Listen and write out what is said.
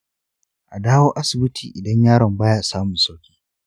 a dawo asibiti idan yaron ba ya samun sauƙi.